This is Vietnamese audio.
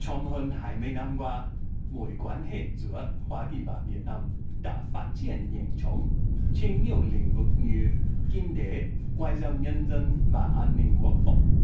trong hơn hai mươi năm qua mối quan hệ giữa hoa kỳ và việt nam đã phát triển nhanh chóng trên nhiều lĩnh vực như kinh tế ngoại giao nhân dân và an ninh quốc phòng